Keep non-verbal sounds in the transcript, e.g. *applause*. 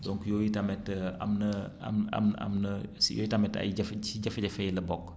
donc yooyu tamit *hesitation* am na *hesitation* am am am na si yooyu tamit ay jafe ci jafe-jafe yi la bokk